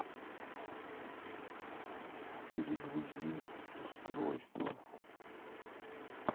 перегрузи устройство